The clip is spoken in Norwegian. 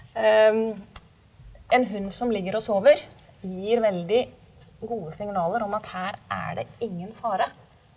en hund som ligger og sover gir veldig gode signaler om at her er det ingen fare.